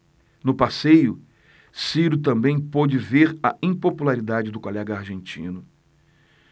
no passeio ciro também pôde ver a impopularidade do colega argentino